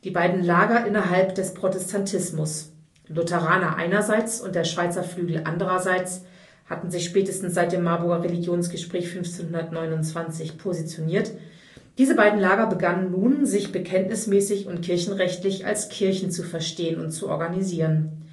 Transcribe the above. beiden Lager innerhalb des Protestantismus – Lutheraner einerseits und der Schweizer Flügel andererseits hatten sich spätestens seit dem Marburger Religionsgespräch 1529 positioniert – begannen nun, sich bekenntnismäßig und kirchenrechtlich als Kirchen zu verstehen und zu organisieren